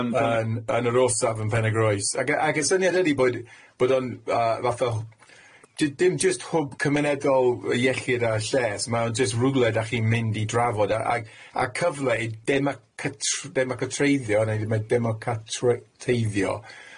Yn yn yr orsaf yn Pen y Groes ag y ag y syniad ydi bod bod o'n yy fath o jy- dim jyst hwb cymunedol yy iechyd a lles ma' o'n jyst rwle 'da chi'n mynd i drafod a a a cyfle i demacytr- democotreiddio neu ddim e- democatre- teiddio.